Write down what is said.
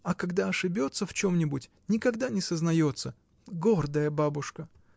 — А когда ошибется в чем-нибудь, никогда не сознается: гордая! Бабушка!